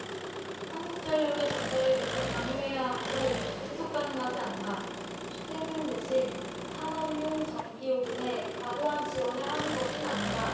한국전력에 적자를 계속 강요해야 하므로 지속 가능하지 않다 주택용 대신 산업용 전기요금에 과도한 지원을 하는 것은 아닌가